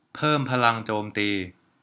เพิ่มพลังโจมตี